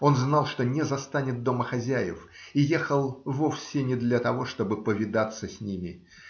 Он знал, что не застанет дома хозяев, и ехал вовсе не для того, чтобы повидаться с ними.